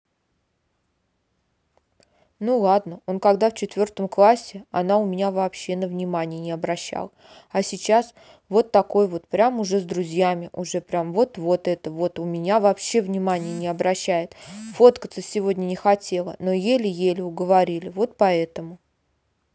ну ладно он когда в четвертом классе она у меня вообще на внимание не обращал а сейчас вот такой вот прямо уже с друзьями уже прям все вот это вот у меня вообще внимание не обращает фоткаться сегодня не хотела но еле еле уговорили вот поэтому